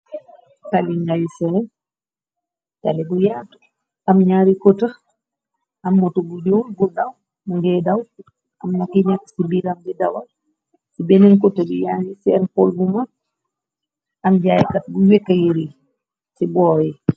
Tali ngay seen tali bu yaatu am ñaari kota am moto bu ñuol bur daw mu ngay daw am nakki ñakk ci biiram di dawal ci benneen kota di yaagi seen pol bu mag am njaayekat bu wekka yari ci boow yi.